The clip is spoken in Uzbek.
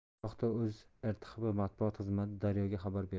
bu haqda o'zrtxb matbuot xizmati daryo ga xabar berdi